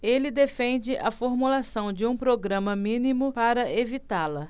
ele defende a formulação de um programa mínimo para evitá-la